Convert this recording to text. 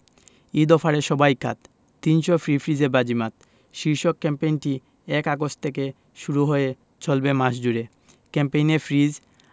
ঈদ অফারে সবাই কাত ৩০০ ফ্রি ফ্রিজে বাজিমাত শীর্ষক ক্যাম্পেইনটি ১ আগস্ট থেকে শুরু হয়ে চলবে মাস জুড়ে ক্যাম্পেইনে ফ্রিজ